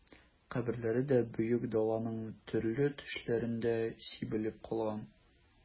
Каберләре дә Бөек Даланың төрле төшләрендә сибелеп калган...